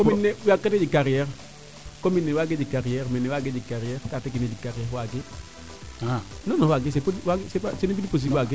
commune waage jeg carriere mene waage jeg carriere Tataguine a jeg carriere :frawaage non non waage ce n' est plus possible waage